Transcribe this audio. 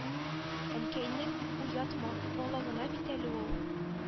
Әнкәйнең: ”Уятма, бала гына бит әле ул,